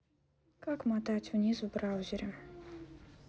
как мотать вниз в браузере